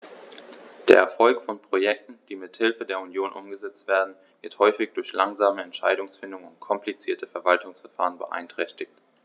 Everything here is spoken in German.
Der Erfolg von Projekten, die mit Hilfe der Union umgesetzt werden, wird häufig durch langsame Entscheidungsfindung und komplizierte Verwaltungsverfahren beeinträchtigt.